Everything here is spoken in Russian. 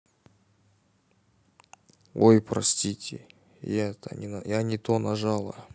ой простите я не то нажала